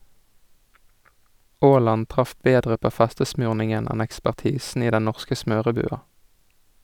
Aaland traff bedre på festesmurningen enn ekspertisen i den norske smørebua.